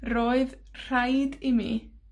Roedd rhaid i mi